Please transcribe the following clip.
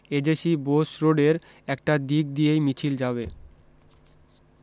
AJC Bose রোডের একটা দিক দিয়েই মিছিল যাবে